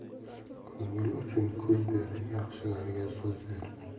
ko'ngil uchun ko'z ber yaxshilarga so'z ber